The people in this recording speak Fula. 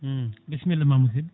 bissimilla ma musidɗo